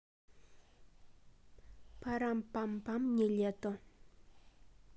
парам пам пам нилетто